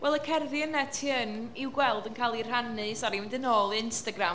Wel, y cerddi yna ti yn, i'w gweld, yn cael eu rhannu. Sori, mynd yn ôl i Instagram.